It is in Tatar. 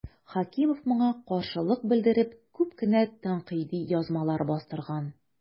Хәкимов моңа каршылык белдереп күп кенә тәнкыйди язмалар бастырган.